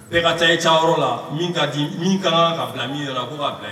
Bɛɛ ka taa i taa yɔrɔ la min ka di, min ka kan ka bila min yɔrɔ la k'o ka bila yen.